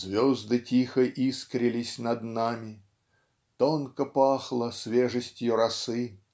Звезды тихо искрились над нами, Тонко пахло свежестью росы.